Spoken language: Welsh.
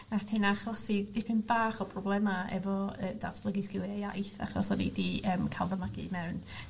nath hynna achosi dipyn bach o problema efo yy datblygu sgilia iaith achos o'n i 'di yym ca'l fy magu mewn